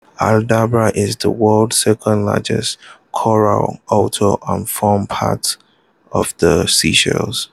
Aldabra is the world's second largest coral atoll and forms part of the Seychelles.